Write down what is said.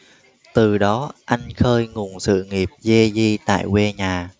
từ đó anh khơi nguồn sự nghiệp dj tại quê nhà